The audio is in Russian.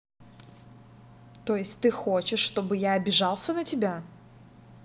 то есть ты хочешь чтобы я обижался на тебя